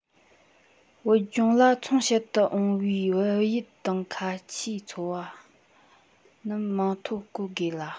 བོད ལྗོངས ལ ཚོང བྱེད དུ འོང བའི བལ ཡུལ དང ཁ ཆེའི ཚོང བ རྣམས མིང ཐོ འགོད དགོས ལ